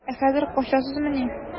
Ә хәзер качасызмыни?